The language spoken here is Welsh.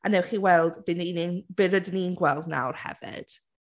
A wnewch chi weld be ni ni'n... be rydyn ni'n gweld nawr hefyd.